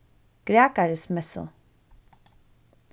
grækarismessu